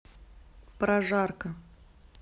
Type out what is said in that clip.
прожарка